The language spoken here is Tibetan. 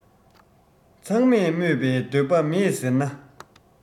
ཚང མས སྨོད པའི འདོད པ མེད ཟེར ན